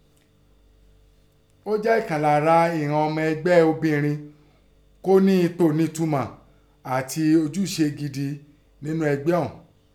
Ọ́ jẹ́ ìkan lára ìghọn ọmọ ẹgbẹ́ obìrin kó ní ipò kó nítùmọ̀ àti ojúse gidi nẹ́nú ẹgbẹ́ ọ̀ún